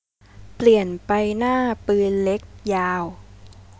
เปลี่ยนไปหน้าปืนเล็กยาว